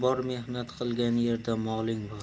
bor mehnat qilgan yerda moling bor